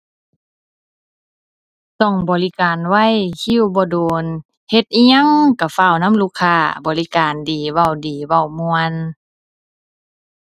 ต้องบริการไว คิวบ่โดน เฮ็ดอิหยังก็ฟ้าวนำลูกค้า บริการดี เว้าดี เว้าม่วน